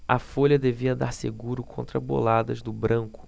a folha devia dar seguro contra boladas do branco